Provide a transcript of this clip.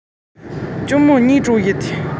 སྨ ར ཅན གྱི སྨ ར ལ